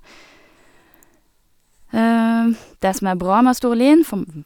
Det som er bra med Storlien, fom vm...